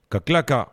Ka tila kaa